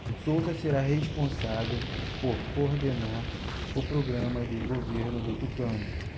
souza será responsável por coordenar o programa de governo do tucano